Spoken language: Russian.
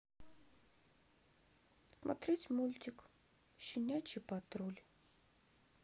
смотреть мультик щенячий патруль